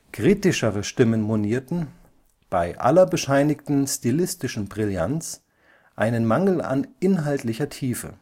Kritischere Stimmen monierten, bei aller bescheinigten stilistischen Brillanz, einen Mangel an inhaltlicher Tiefe